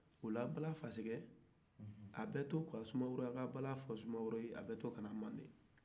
o la bala faseke a to ka taa sumaworo ka bala fɔ sumaworo ye a bɛ to ka na mande